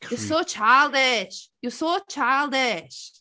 You're so childish. You're so childish.